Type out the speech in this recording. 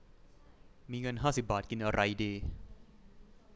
มีเงินห้าสิบบาทกินอะไรดี